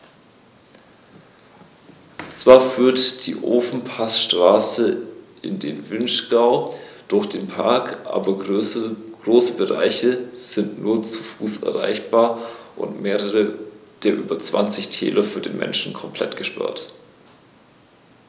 Zwar führt die Ofenpassstraße in den Vinschgau durch den Park, aber große Bereiche sind nur zu Fuß erreichbar und mehrere der über 20 Täler für den Menschen komplett gesperrt.